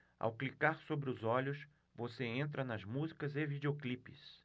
ao clicar sobre os olhos você entra nas músicas e videoclipes